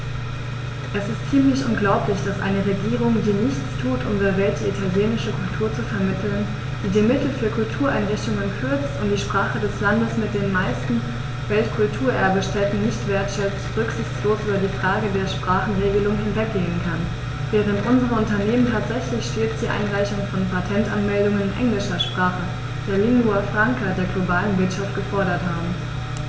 Es ist ziemlich unglaublich, dass eine Regierung, die nichts tut, um der Welt die italienische Kultur zu vermitteln, die die Mittel für Kultureinrichtungen kürzt und die Sprache des Landes mit den meisten Weltkulturerbe-Stätten nicht wertschätzt, rücksichtslos über die Frage der Sprachenregelung hinweggehen kann, während unsere Unternehmen tatsächlich stets die Einreichung von Patentanmeldungen in englischer Sprache, der Lingua Franca der globalen Wirtschaft, gefordert haben.